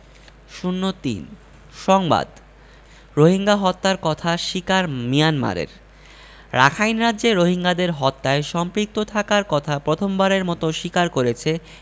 ০৩ সংবাদ রোহিঙ্গা হত্যার কথা স্বীকার মিয়ানমারের রাখাইন রাজ্যে রোহিঙ্গাদের হত্যায় সম্পৃক্ত থাকার কথা প্রথমবারের মতো স্বীকার করেছে